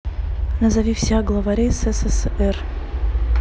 назови всех главарей ссср